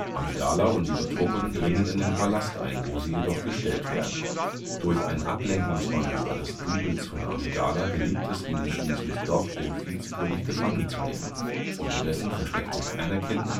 Amidala und ihre Truppen dringen in den Palast ein, wo sie jedoch gestellt werden. Durch ein Ablenkungsmanöver des Doubles von Amidala gelingt es ihnen schließlich doch, den Vizekönig gefangen zu nehmen. Unterdessen versteckt sich Anakin